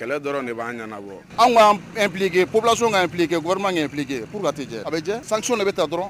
Kɛlɛ dɔrɔn de b'a ɲɛnabɔ, anw k'an impliqué, population ka impliqué gouvernement ka impliqué pourquoi a tɛ jɛ, a bɛ jɛ